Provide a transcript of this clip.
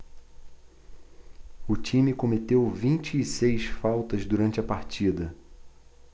o time cometeu vinte e seis faltas durante a partida